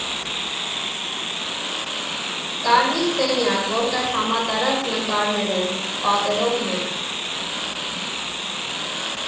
Կարմիր սենյակ, որտեղ համատարած նկարներ են՝ պատերով մեկ։